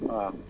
waaw